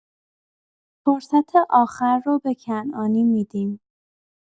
فرصت آخر رو به کنعانی می‌دیم.